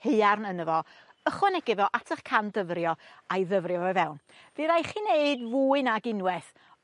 haearn yno fo ychwanegu fo at 'ych can dyfrio a'i ddyfrio fo i fewn. By' rhai' chi neud fwy nag unweth